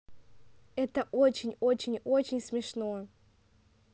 это очень очень очень смешно